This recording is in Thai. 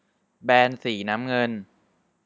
แบนสีน้ำเงิน